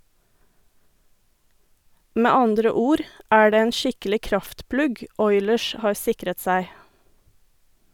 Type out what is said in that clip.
Med andre ord er det en skikkelig kraftplugg Oilers har sikret seg.